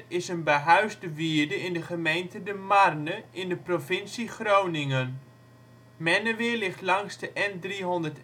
is een behuisde wierde in de gemeente De Marne in de provincie Groningen. Menneweer ligt langs de N361